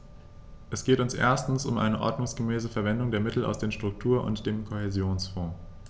Es geht uns erstens um eine ordnungsgemäße Verwendung der Mittel aus den Struktur- und dem Kohäsionsfonds.